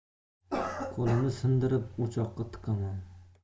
qo'lini sindirib o'choqqa tiqaman